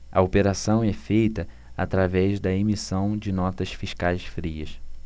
a operação é feita através da emissão de notas fiscais frias